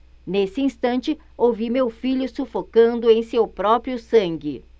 nesse instante ouvi meu filho sufocando em seu próprio sangue